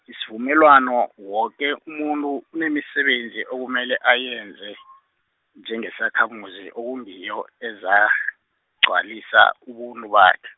isivumelwano, woke umuntu, unemisebenzi okumele ayenze , njengesakhamuzi okungiyo, ezagcwalisa ubuntu bakhe.